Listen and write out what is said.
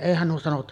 eihän nuo sanonut